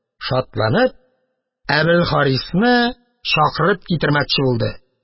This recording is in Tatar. Шатланып, Әбелхарисны чакырып китермәкче булды.